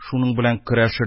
Шуның белән көрәшә